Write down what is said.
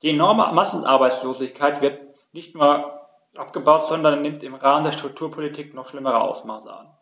Die enorme Massenarbeitslosigkeit wird nicht nur nicht abgebaut, sondern nimmt im Rahmen der Strukturpolitik noch schlimmere Ausmaße an.